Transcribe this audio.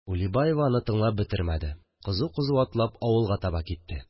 Улибаева аны тыңлап бетермәде, кызу-кызу атлап авылга таба китте